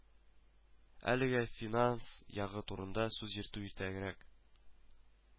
Әлегә финанс ягы турында сүз йөртү иртәрәк